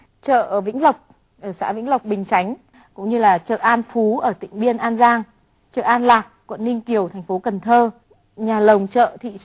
chợ vĩnh lộc ở xã vĩnh lộc bình chánh cũng như là chợ an phú ở tịnh biên an giang chợ an lạc quận ninh kiều thành phố cần thơ nhà lồng chợ thị